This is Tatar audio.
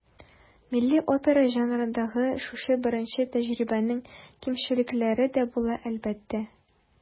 Милли опера жанрындагы шушы беренче тәҗрибәнең кимчелекләре дә була, әлбәттә.